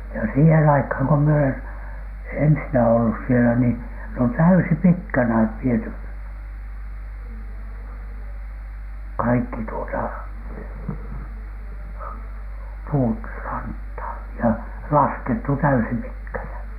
ja siihen aikaan kun minä olen ensinnä ollut siellä niin ne on täyspitkänä viety kaikki tuota puut rantaan ja laskettu täyspitkänä